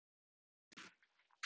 иди помойся